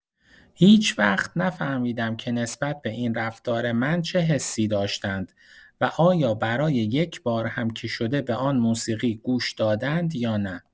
هیچ‌وقت نفهمیدم که نسبت به این رفتار من چه حسی داشتند و آیا برای یک‌بار هم که شده به آن موسیقی گوش دادند یا نه.